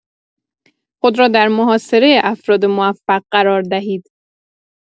خود را در محاصره افراد موفق قرار دهید.